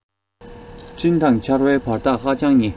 སྤྲིན དང ཆར བའི བར ཐག ཧ ཅང ཉེ